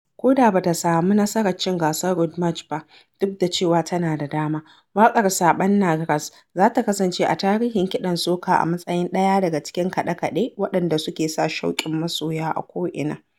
Ko da ba ta samu nasarar cin gasar Road March ba (duk da cewa tana da dama!), waƙar "Saɓannah Grass" za ta kasance a tarihin kiɗan soca a matsayin ɗaya daga cikin kaɗe-kaɗe waɗanda suke sa shauƙin masoya a ko'ina.